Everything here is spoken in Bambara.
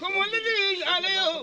Kolitigi ale ye